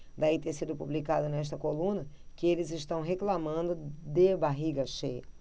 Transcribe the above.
daí ter sido publicado nesta coluna que eles reclamando de barriga cheia